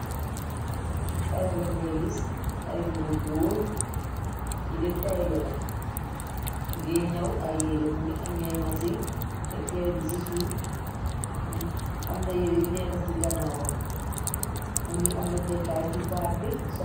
tay rëngay gis tayru bu góor yite teylo la bu ngiy ñaw ay yére mu ngi amée ma ci teg yére bi ci suuf mu ngi amna yére yi nekkas ci ganawan mu ngi amna teekaay ci baat bi